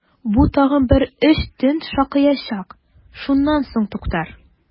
Бу тагын бер өч төн шакыячак, шуннан соң туктар!